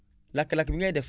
lakk-lakk bi ngay def